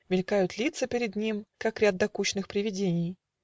Мелькают лица перед ним Как ряд докучных привидений.